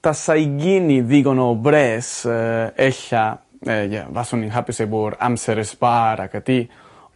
tasai gen i ddigon o bres yy ella yy ie faswn i'n hapus efo'r amser y sbar ac ati.